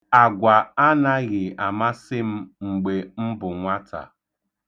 Agwa anaghị amasị m mgbe m bụ nwata.